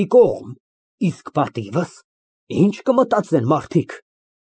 Նրա ամբողջ մարմինը մթնումն է, միայն գլուխն է երևում լուսո շերտի մեջ։ Միաժամանակ բեմի վրա, բացի Մարգարիտից, ոչ ոք չկա։